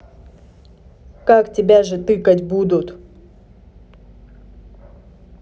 как тебя же тыкать будут